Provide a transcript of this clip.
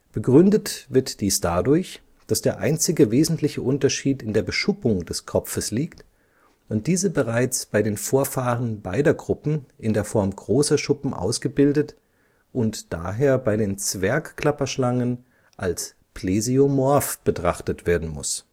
Begründet wird dies dadurch, dass der einzige wesentliche Unterschied in der Beschuppung des Kopfes liegt und diese bereits bei den Vorfahren beider Gruppen in der Form großer Schuppen ausgebildet und daher bei den Zwergklapperschlangen als plesiomorph betrachtet werden muss